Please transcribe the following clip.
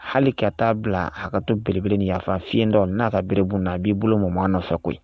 Hali ka t'a bila hakɛto belebele ni yafaafa fiyɛn dɔ n'a ka berebna a b'i bolo maa nɔfɛ koyi